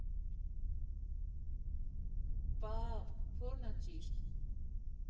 ֊ Պաաապ, ո՞րն ա ճիշտ.